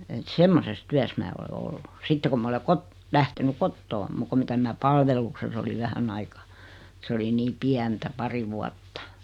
että semmoisessa työssä minä olen ollut sitten kun minä olen - lähtenyt kotoa muuta kuin mitä minä palveluksessa olin vähän aikaa se oli niin pientä pari vuotta